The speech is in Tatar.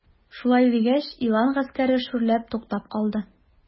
Шулай дигәч, елан гаскәре шүрләп туктап калды.